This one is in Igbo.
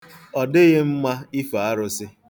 Ọ dịghị mma ife arụsị.